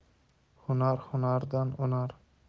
hunar hunardan unar